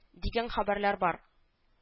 Дигән хәбәрләр бар. н